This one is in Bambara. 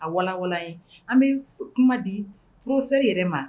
A walanlan ye an bɛ kuma di furusɛ yɛrɛ ma